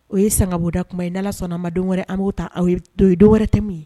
O ye sanga bɔda kuma ye ala sɔnna a ma dɔw wɛrɛɛrɛ an b'o ta to ye dɔw wɛrɛ tɛ min ye